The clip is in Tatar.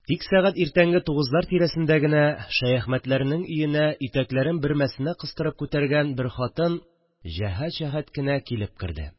Тик сәгать иртәнге тугызлар тирәсендә генә Шәяхмәтләрнең өенә итәкләрен бөрмәсенә кыстырып күтәргән бер хатын җәһәт-җәһәт кенә килеп керде